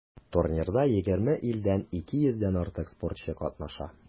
Турнирда 20 илдән 200 дән артык спортчы катнаша.